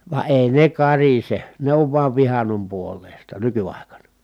vaan ei ne karise ne on vain vihannon puoleista nykyaikana